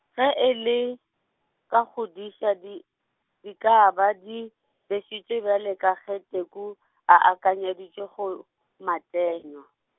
ge e le, ka go duša di, di ka ba di, bešitšwe bjale ka ge Teku , a akanyeditše go Matengwa.